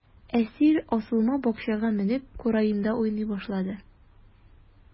Әсир асылма бакчага менеп, кураенда уйный башлый.